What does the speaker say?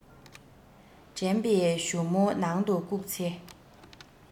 དྲན པའི གཞུ མོ ནང དུ བཀུག ཚེ